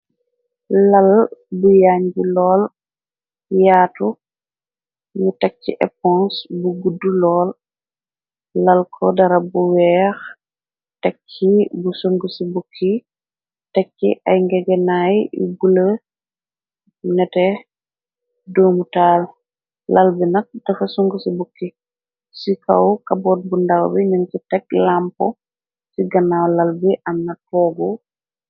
lal bu yaañ bi lool yaatu ñu teg ci epons bu guddu lool lal ko darab bu weex tekki bu sung ci bukki tekki ay ngegenaay y gule nete duumu taal lal bi nak dafa sung ci bukki ci kaw kaboot bu ndaw bi ñën ci teg lampo ci ganaaw lal bi am na toogu.